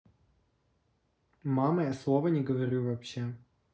мама я слово не говорю вообще